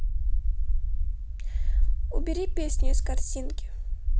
убери песню из картинки